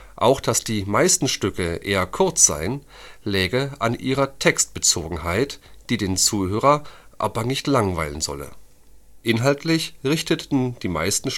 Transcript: Auch dass die meisten Stücke eher kurz seien läge an ihrer Textbezogenheit, die den Zuhörer aber nicht langweilen solle. Inhaltlich richteten die meisten